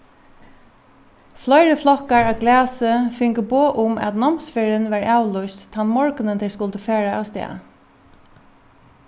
fleiri flokkar á glasi fingu boð um at námsferðin var avlýst tann morgunin tey skuldu fara avstað